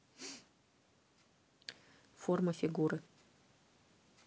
форма фигуры